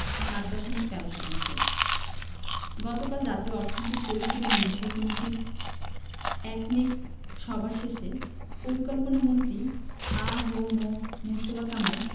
৭ দশমিক ১৩ শতাংশ গতকাল জাতীয় অর্থনৈতিক পরিষদের নির্বাহী কমিটির একনেক সভা শেষে পরিকল্পনামন্ত্রী আ হ ম মুস্তফা কামাল